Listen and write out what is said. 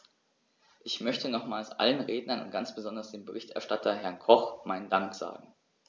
Ich möchte nochmals allen Rednern und ganz besonders dem Berichterstatter, Herrn Koch, meinen Dank sagen.